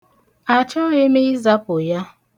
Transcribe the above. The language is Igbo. Achọghị m ịzapụ ya.